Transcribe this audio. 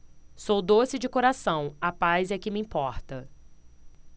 sou doce de coração a paz é que me importa